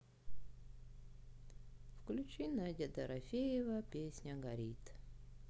включи надя дорофеева песня горит